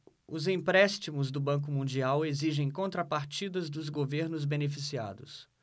os empréstimos do banco mundial exigem contrapartidas dos governos beneficiados